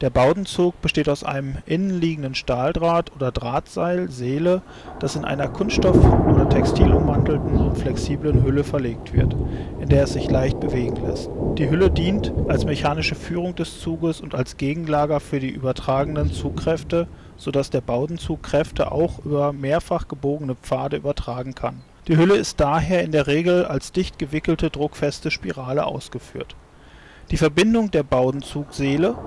Bowdenzug besteht aus einem innenliegenden Stahldraht oder Drahtseil, das in einer kunststoff - oder textilummantelten und flexiblen Hülle verlegt wird, in der es sich leicht bewegen lässt. Die Hülle dient als mechanische Führung des Zugs und als Gegenlager für die übertragenen Zugkräfte, so dass der Bowdenzug Kräfte auch über mehrfach gebogene Pfade übertragen kann. Die Hülle ist daher in der Regel als dicht gewickelte, druckfeste Spirale ausgeführt. Die Verbindung der Bowdenzugseele